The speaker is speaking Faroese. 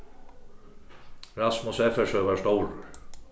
rasmus effersøe var stórur